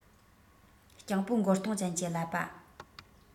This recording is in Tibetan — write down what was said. སྤྱང པོ མགོ སྟོང ཅན གྱི ཀླད པ